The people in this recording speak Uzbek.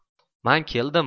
man keldim